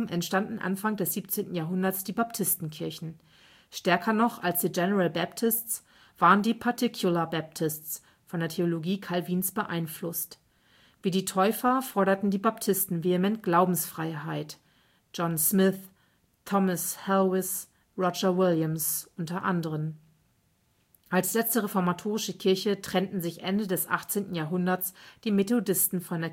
entstanden Anfang des 17. Jahrhunderts die Baptistenkirchen. Stärker noch als die General Baptists waren die Particular Baptists von der Theologie Calvins beeinflusst. Wie die Täufer forderten die Baptisten vehement Glaubensfreiheit (John Smyth, Thomas Helwys, Roger Williams u. a.). Als letzte reformatorische Kirche trennten sich Ende des 18. Jahrhunderts die Methodisten von